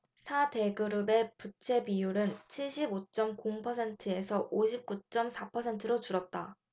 사 대그룹의 부채비율은 칠십 오 쩜 공 퍼센트에서 오십 구 쩜 사 퍼센트로 줄었다